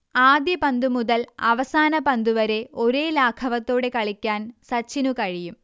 ആദ്യ പന്തുമുതൽ അവസാന പന്തുവരെ ഒരേ ലാഘവത്തോടെ കളിക്കാൻ സച്ചിനു കഴിയും